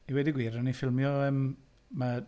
I weud y gwir, o'n i'n ffilmio yym mae...